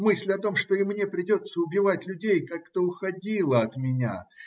Мысль о том, что и мне придется убивать людей, как-то уходила от меня.